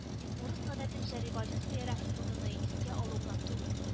Урыс гадәтенчә революция рәхимовнаны искә алу гына түгел